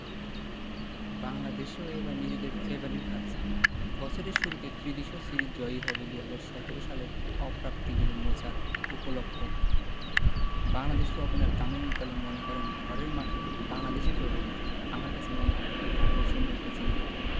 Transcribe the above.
বাংলাদেশও এবার নিজেদের ফেবারিট ভাবছে বছরের শুরুতে ত্রিদেশীয় সিরিজ জয়ই হবে ২০১৭ সালের অপ্রাপ্তিগুলো মোছার উপলক্ষও বাংলাদেশের ওপেনার তামিম ইকবালও মনে করেন ঘরের মাঠে বাংলাদেশই ফেবারিট আমার কাছে মনে হয় খুবই আকর্ষণীয় একটা সিরিজ হবে